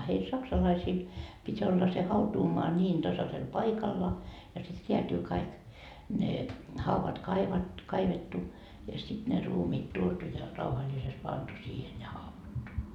heillä saksalaisilla piti olla se hautuumaa niin tasaisella paikalla ja sitten räätyy kaikki ne haudat - kaivettu ja sitten ne ruumiit tuotu ja rauhallisesti pantu siihen ja haudattu